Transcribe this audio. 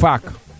kaa suur lool